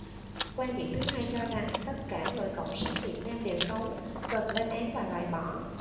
quan điểm thứ hai cho rằng tất cả người cộng sản việt nam đều xấu cần lên án và loại bỏ